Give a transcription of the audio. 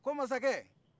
ko masakɛ